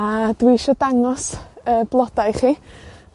A, dwi isio dangos y bloda i chi.